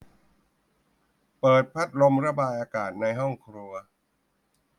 เปิดพัดลมระบายอากาศในห้องครัว